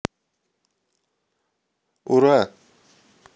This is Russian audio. ура